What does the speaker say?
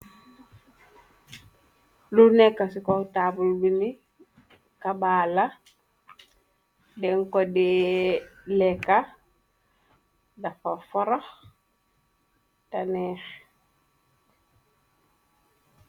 Lu nekk ci kow tabul bi ni kabaala den ko de leeka dafa forox taneexe.